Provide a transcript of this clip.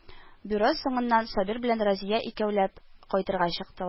Бюро соңыннан Сабир белән Разия икәүләп кайтырга чыктылар